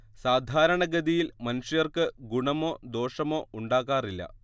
സാധാരണഗതിയിൽ മനുഷ്യർക്ക് ഗുണമോ ദോഷമോ ഉണ്ടാക്കാറില്ല